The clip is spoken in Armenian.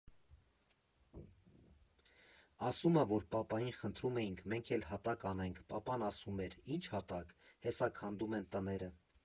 Ասում ա, որ պապային խնդրում էինք՝ մենք էլ հատակ անենք, պապան ասում էր՝ ի՞նչ հատակ, հեսա քանդում են տները։